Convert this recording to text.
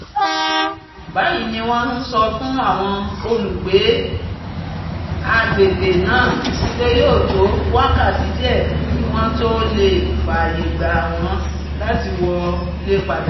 Báyìí wọ́n ńsọ fún àwọn olùgbé agbègbè naa wìpè yóò tó wákàtí diẹ kí wọn tó leè fààyè gbà wọ́n láti wọlé padà.